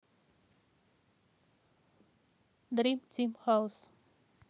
дрим тим хаос